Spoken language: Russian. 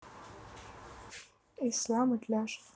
ислам итляшев